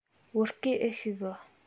བོད སྐད ཨེ ཤེས གི